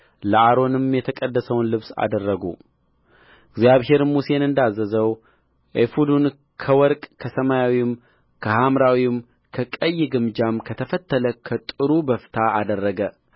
ለአሮንም የተቀደሰውን ልብስ አደረጉ እግዚአብሔርም ሙሴን እንዳዘዘው ኤፉዱን ከወርቅ ከሰማያዊም ከሐምራዊም ከቀይ ግምጃም ከተፈተለም ከጥሩ በፍታ አደረገ